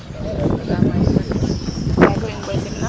yaay boy in mboy simnand